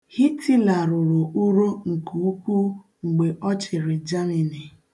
Hitila roro uro nke ukwu mgbe ọ chịrị Jamịnị.